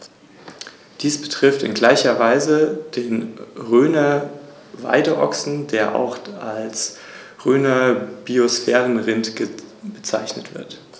Gerade die Sklaverei spielte im Rahmen der römischen Wirtschaft eine wichtige Rolle, wobei die Sklaven zu ganz unterschiedlichen Tätigkeiten herangezogen wurden, aber gleichzeitig die Möglichkeit bestand, dass sie ihre Freiheit zurückerlangen konnten.